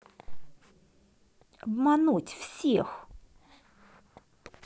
обмануть всех